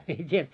en tiedä